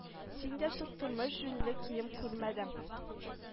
Син дә тук тормыш җүнле кием күрмәдең